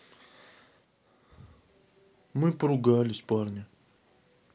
мы поругались парни